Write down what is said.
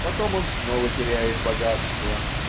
потом он снова теряет богатство